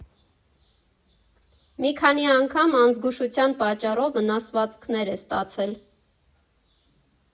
Մի քանի անգամ անզգուշության պատճառով վնասվածքներ է ստացել։